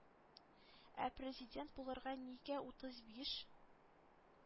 Ә президент булырга нигә утыз биш